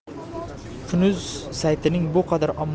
kunuz saytining bu qadar